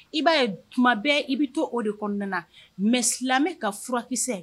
I b'a ye tuma bɛɛ, i bɛ to, o de kɔnɔna na mais silamɛ ka furakisɛ